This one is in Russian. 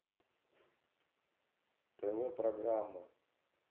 тв программы